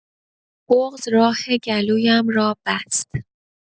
بغض راه گلویم را بست.